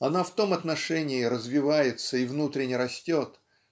Она в том отношении развивается и внутренне растет